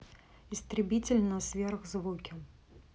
истребитель на сверхзвуке